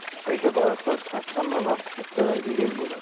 mayda baliqlar hammavaqt kattalariga yem bo'ladi